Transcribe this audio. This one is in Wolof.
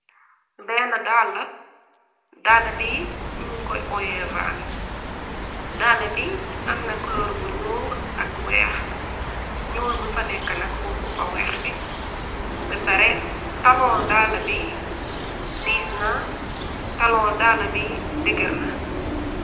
Benna dalla, dalla bi ñing ko óyeh vans. Dalla bi am na kulor bu ñuul ak wèèx, ñuul bufa nekka na mo opa wèèx bi. Bepareh talló dalla bi diisna, talló dalla bi degër na.